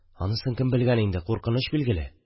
Анысын кем белгән инде. Куркыныч, билгеле!